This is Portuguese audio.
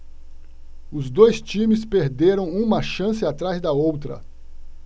os dois times perderam uma chance atrás da outra